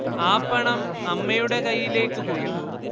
ആ പണം അമ്മയുടെ കയ്യിലേക്ക് കൊടുത്തു